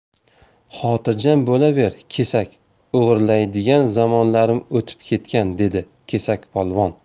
xotirjam bo'laver kesak o'g'irlaydigan zamonlarim o'tib ketgan dedi kesakpolvon